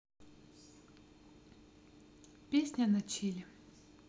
песня на чиле